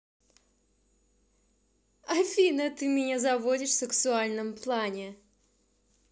афина ты меня заводишь в сексуальном плане